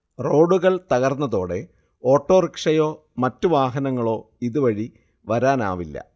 റോഡുകൾ തകർന്നതോടെ ഓട്ടോറിക്ഷയോ മറ്റ് വാഹനങ്ങളോ ഇതുവഴി വരാനാവില്ല